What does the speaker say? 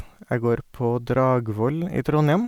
Jeg går på Dragvoll i Trondhjem.